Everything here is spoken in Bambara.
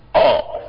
Ɛɛ